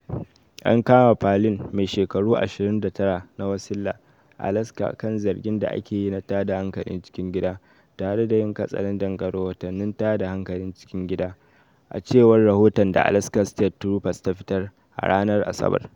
An kama Palin, mai shekaru 29, na Wasilla, Alaska, kan zargin da ake yi na tada hankalin cikin gida, tare da yin katsalandan ga rahotannin tada hankalin cikin gida, a cewar wani rahoton da Alaska State Troopers ta fitar, a ranar Asabar.